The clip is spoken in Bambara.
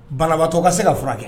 Banabatɔ ka se ka furakɛ kɛ